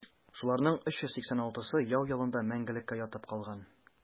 Шуларның 386-сы яу яланында мәңгелеккә ятып калган.